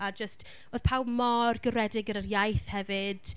A jyst, oedd pawb mor garedig gyda’r iaith hefyd...